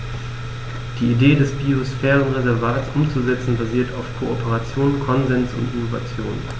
Die Idee des Biosphärenreservates umzusetzen, basiert auf Kooperation, Konsens und Innovation.